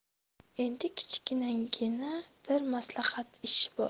endi kichkinagina bir maslahatli ish bor